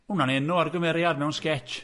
O' hwnna'n enw ar gymeriad mewn sgets.